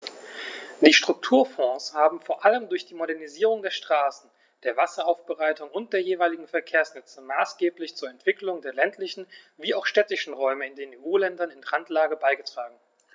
Die Strukturfonds haben vor allem durch die Modernisierung der Straßen, der Wasseraufbereitung und der jeweiligen Verkehrsnetze maßgeblich zur Entwicklung der ländlichen wie auch städtischen Räume in den EU-Ländern in Randlage beigetragen.